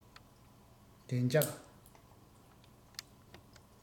བདེ འཇགས